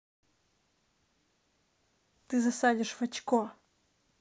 ты засадишь в очко